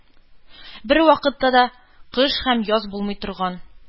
Бервакытта да кыш һәм яз булмый торган